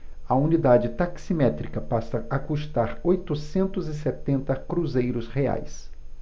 a unidade taximétrica passa a custar oitocentos e setenta cruzeiros reais